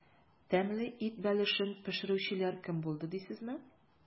Тәмле ит бәлешен пешерүчеләр кем булды дисезме?